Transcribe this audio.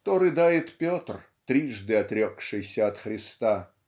то рыдает Петр, трижды отрекшийся от Христа.